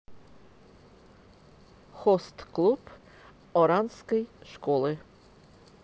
хост клуб оранской школы